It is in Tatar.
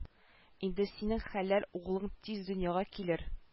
Инде синең хәлял углың тиз дөньяга килер